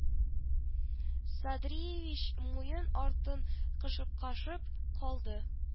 Садриевич муен артын кашыпкашып калды